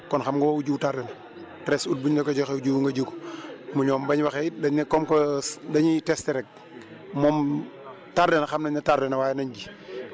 kon xam nga woowu jiw tardé na treize août buñ la ko joxee aw jiwu nga ji ko mu ñoom bañ waxee it dañ ne comme que dañuy tester rek moom tardé na xam nañ ne tardé na waaye nañ ji